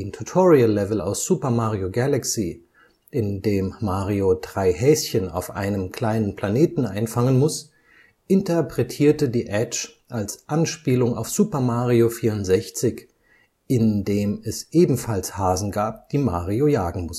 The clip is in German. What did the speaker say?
Tutorial-Level aus Super Mario Galaxy, in dem Mario drei Häschen auf einem kleinen Planeten einfangen muss, interpretierte die Edge als Anspielung auf Super Mario 64, in dem es ebenfalls Hasen gab, die Mario jagen